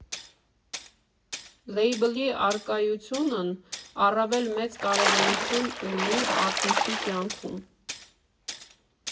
Լեյբլի առկայությունն առավել մեծ կարևորություն ունի արտիստի կյանքում։